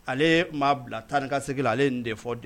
Ale ma'a bila tan ni ka segin la, ale ye nin de fɔ depuis